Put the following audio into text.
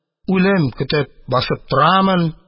Үлем көтеп басып торамын…